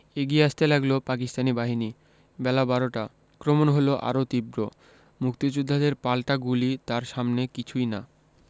এগিয়ে আসতে লাগল পাকিস্তানি বাহিনী বেলা বারোটা আক্রমণ হলো আরও তীব্র মুক্তিযোদ্ধাদের পাল্টা গুলি তার সামনে কিছুই না